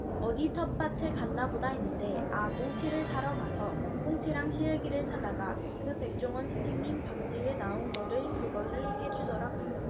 어디 텃밭에 갔나보다 했는데 아 꽁치를 사러 가서 꽁치랑 시래기랑 사다가 그 백종원 선생님 밥집에 나온 거를 그걸 해주더라고요